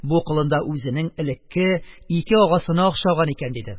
Бу колын да үзенең элекке ике агасына охшаган икән, - диде.